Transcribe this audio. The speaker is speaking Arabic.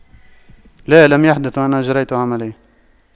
لا لم يحدث وأن أجريت عملية